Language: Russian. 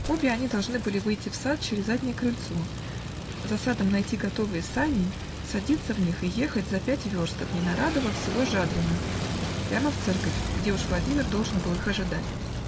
обе они должны были выйти в сад через заднее крыльцо, за садом найти готовые сани, садиться в них и ехать за пять верст от Ненарадова в село Жадрино, прямо в церковь, где уж Владимир должен был их ожидать.